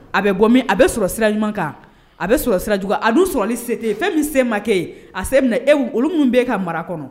A bɛ g a bɛ sɔrɔ sira ɲuman kan a bɛ sira jugu a sɔrɔli sete yen fɛn min se makɛ a se minɛ e olu min bɛ e ka mara kɔnɔ